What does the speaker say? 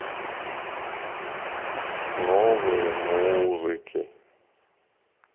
новые музыки